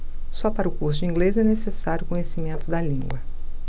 só para o curso de inglês é necessário conhecimento da língua